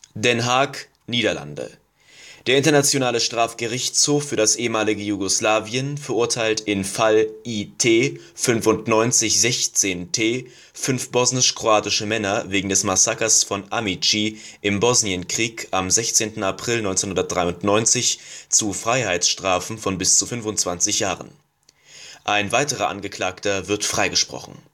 Den Haag/Niederlande: Der Internationale Strafgerichtshof für das ehemalige Jugoslawien verurteilt in Fall IT-95-16-T fünf bosnisch-kroatische Männer wegen des Massakers von Ahmići im Bosnienkrieg am 16. April 1993 zu Freiheitsstrafen von bis zu 25 Jahren. Ein weiterer Angeklagter wird freigesprochen